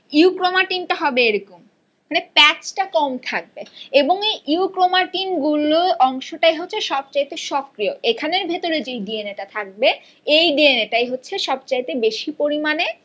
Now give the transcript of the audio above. euchromatin টা হবে এরকম মানে প্যাচ টা কম থাকবে এবংএ ইউক্রোমাটিন গুলো অংশটাই হচ্ছে সবচাইতে সক্রিয় এখানের ভেতরে যে ডিএনএ টা থাকব এই ডিএনএ টাই হচ্ছে সব চাইতে বেশি পরিমানে